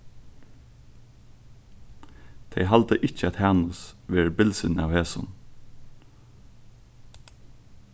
tey halda ikki at hanus verður bilsin av hesum